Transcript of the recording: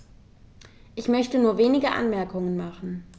Ich möchte nur wenige Anmerkungen machen.